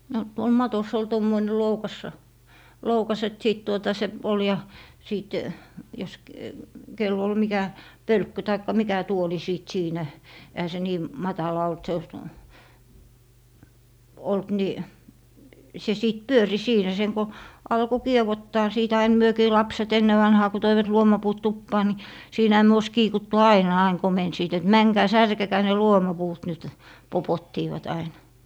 no tuolla matossa oli tuommoinen loukas loukas että sitten tuota se oli ja sitten jos - kenellä oli mikä pölkky tai mikä tuoli sitten siinä eihän se niin matala ollut se ollut niin se sitten pyöri siinä sen kun alkoi kievottaa siitä aina mekin lapset ennen vanhaan kun toivat luomapuut tupaan niin siinähän me olisi kiikuttu aina aina komensivat että menkää särkekää ne luomapuut nyt popottivat aina